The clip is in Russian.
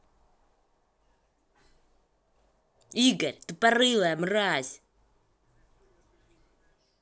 игорь тупорылая мразь